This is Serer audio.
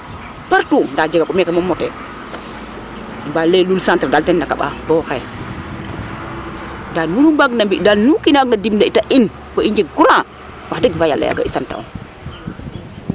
Partout ndaa meke moom motee, i mbaa lay ee Lul centre daal ten na kaɓaa bo xay ndaa nuu nu mbaagna mbi' nu kiin a mbaagna dimle'ta in bo i njeg courant wax deg fa yala i sante'ong